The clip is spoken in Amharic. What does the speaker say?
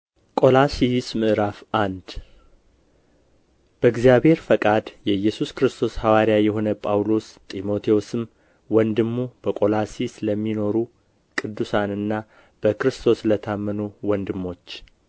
ቆላስይስ ምዕራፍ አንድ በእግዚአብሔር ፈቃድ የኢየሱስ ክርስቶስ ሐዋርያ የሆነ ጳውሎስ ጢሞቴዎስም ወንድሙ በቈላስይስ ለሚኖሩ ቅዱሳንና በክርስቶስ ለታመኑ ወንድሞች